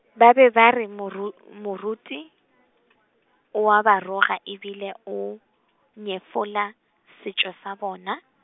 ba be ba re moru-, moruti , o a ba roga e bile o, nyefola, setšo sa bona.